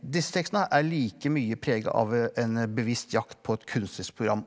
disse tekstene er like mye prega av en bevisst jakt på et kunstnerisk program.